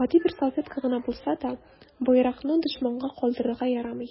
Гади бер салфетка гына булса да, байракны дошманга калдырырга ярамый.